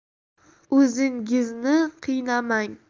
o'zingizni qiynamang